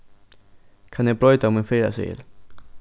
kann eg broyta mín ferðaseðil